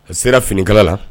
A sera finikala la